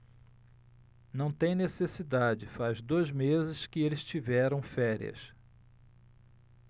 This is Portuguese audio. não tem necessidade faz dois meses que eles tiveram férias